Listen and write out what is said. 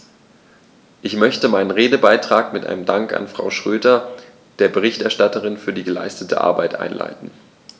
Ich möchte meinen Redebeitrag mit einem Dank an Frau Schroedter, der Berichterstatterin, für die geleistete Arbeit einleiten.